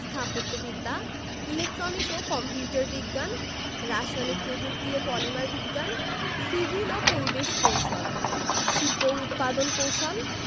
স্থাপত্যবিদ্যা ইলেকট্রনিক্স ও কম্পিউটার বিজ্ঞান রাসায়নিক প্রযুক্তি ও পলিমার বিজ্ঞান সিভিল ও পরিবেশ কৌশল শিল্প ও উৎপাদন কৌশল